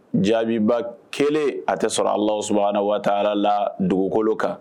Jaabiba kelen a tɛ sɔrɔ a s wata la dugukolo kan